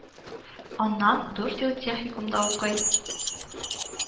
Аннан дүрт ел техникумда укый